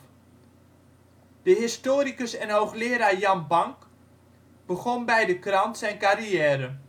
historicus en hoogleraar Jan Bank begon bij de krant zijn carrière